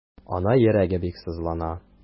Ана йөрәге бик сызлана.